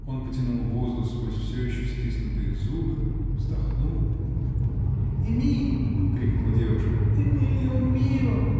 Он потянул воздух сквозь все еще стиснутые зубы, вздохнул. -- Эмиль! -- крикнула девушка. -- Эмилио мио!